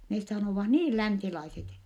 ne sanovat niin länsilaiset